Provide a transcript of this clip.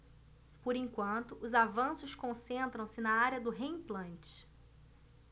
por enquanto os avanços concentram-se na área do reimplante